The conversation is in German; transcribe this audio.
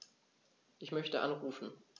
Ich möchte anrufen.